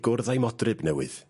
...gwrdd â'i modryb newydd.